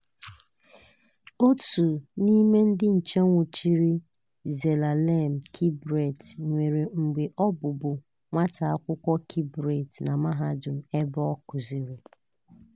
Ótù n'ime ndị nche nwụchiri Zelalem Kibret nwere mgbe ọ bụbu nwata akwụkwọ Kibret na mahadum ebe ọ kuziri.